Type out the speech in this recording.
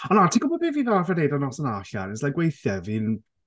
O na ti'n gwybod be fi fel arfer wneud ar noson allan is like weithiau fi'n...